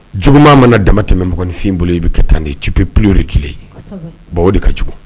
Juguma mana dama tɛmɛ mɔgɔnfin bolo i bɛ ka taa ni tup ppiyorori kelen ye bon o de ka cogo